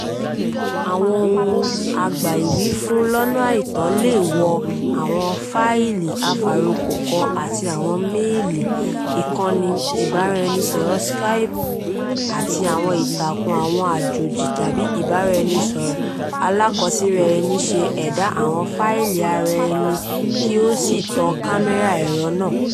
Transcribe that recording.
Àwọn ohùn-agbaìwífún-lọ́nà-àìtọ́ le wọ àwọn fáìlì àfàrokòkọ àti àwọn méèlí, ìkànnì ìbáraẹnisọ̀rọ̀ Skype àti àwọn ìtàkùn ohun àjòjì tàbí ìbáraẹnisọ̀rọ̀ alákọsíaraẹni, ṣe ẹ̀dá àwọn fáìlì araẹni kí ó sì tàn kámẹ́rà ẹ̀rọ náà.